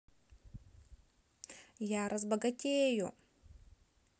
я разбогатею